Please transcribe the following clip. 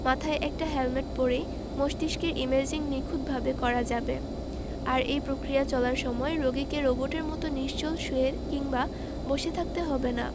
মাথায় একটা হেলমেট পরেই মস্তিষ্কের ইমেজিং নিখুঁতভাবে করা যাবে আর এই প্রক্রিয়া চলার সময় রোগীকে রোবটের মতো নিশ্চল শুয়ে কিংবা বসে থাকতে হবে না